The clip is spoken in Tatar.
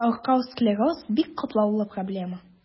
Таркау склероз – бик катлаулы проблема.